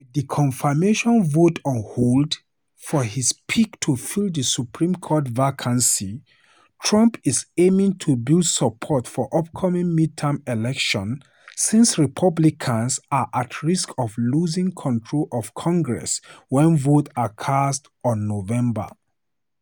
With the confirmation vote on hold for his pick to fill the Supreme Court vacancy, Trump is aiming to build support for upcoming mid-term elections since Republicans are at risk of losing control of Congress when votes are cast on Nov.